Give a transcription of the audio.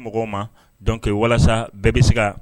Mɔgɔw ma donc walasa bɛɛ bɛ se ka